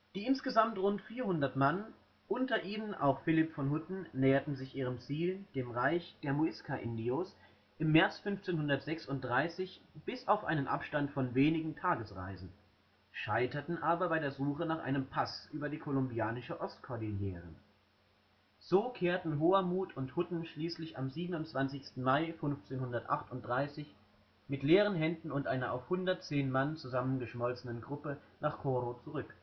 insgesamt rund 400 Mann, unter ihnen auch Philipp von Hutten, näherten sich ihrem Ziel, dem Reich der Muisca-Indios im März 1536 bis auf einen Abstand von wenigen Tagesreisen, scheiterten aber bei der Suche nach einem Pass über die kolumbianische Ostkordillere. So kehrten Hohermut und Hutten schließlich am 27. Mai 1538 mit leeren Händen und einer auf 110 Mann zusammengeschmolzenen Truppe nach Coro zurück